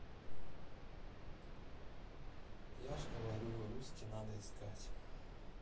я ж говорю русский надо искать